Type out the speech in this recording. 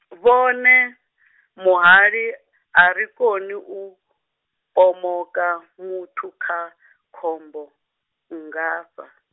vhone, muhali, a ri koni u, pomoka, muthu kha, khombo, nngafha.